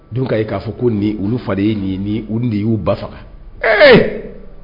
Don' ye k'a fɔ ko nin olu fa de ye nin ni de y'u ba faga ee